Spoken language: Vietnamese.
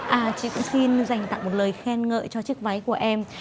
à chị cũng xin dành tặng một lời khen ngợi cho chiếc váy của em